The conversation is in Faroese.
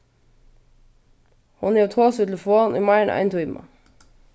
hon hevur tosað í telefon í meira enn ein tíma